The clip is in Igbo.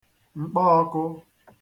m̀kpaọ̄kụ̄